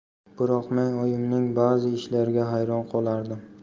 biroq men oyimning ba'zi ishlariga hayron qolardim